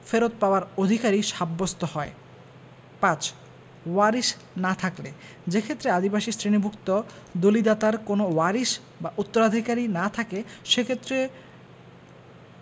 ফেরত পাওয়ার অধিকারী সাব্যস্ত হয় ৫ ওয়ারিশ না থাকলে যেক্ষেত্রে আদিবাসী শ্রেণীভুক্ত দলিদাতার কোনও ওয়ারিশ উত্তরাধিকারী না থাকে সেক্ষেত্রে